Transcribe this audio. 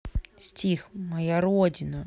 стих моя родина